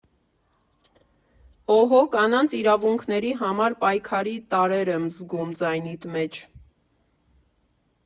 ֊ Օհո, կանանց իրավունքների համար պայքարի տարրեր եմ զգում ձայնիդ մեջ…